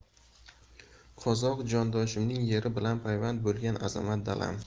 qozoq jondoshimning yeri bilan payvand bo'lgan azamat dalam